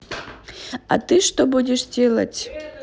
а ты что будешь делать